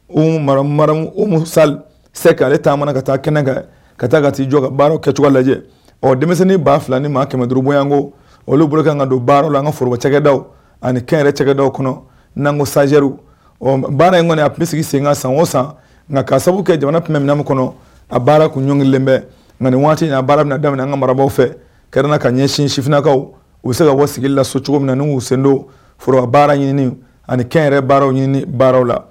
Sa se k' ale taamamana ka taa kɛnɛ kɛ ka taa ka jɔ baara kɛ cogoya lajɛ ɔ denmisɛnnin ba fila ni maa kɛmɛ duuruuru bɔyanko olu bolokan kan don baara la an ka foro cɛkɛda ani kɛnɛrɛ cɛda kɔnɔ nago sari ɔ baara in kɔni a tun bɛ sigi sen ka san o san nka ka sabu kɛ jamana kɛmɛ min min kɔnɔ a baara tun ɲɔnlen bɛ nka nin waati'a baara minna daminɛ an ka marabagaw fɛ kɛrɛn ka ɲɛsin sifininakaw u se ka bɔ sigi la so cogo min na n u sendo foro baara ɲini ani kɛnɛrɛ baararaww ɲini baararaww la